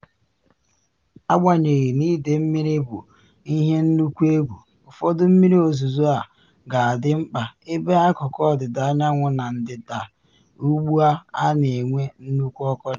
Agbanyeghị na ide mmiri bụ ihe nnukwu egwu, ụfọdụ mmiri ozizo a ga-adị mkpa ebe akụkụ ọdịda anyanwụ na ndịda ugbu a na enwe nnukwu ọkọchị.